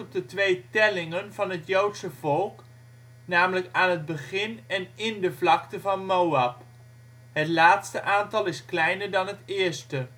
twee tellingen van het joodse volk, namelijk aan het begin en in de vlakte van Moab. Het laatste aantal is kleiner dan het eerste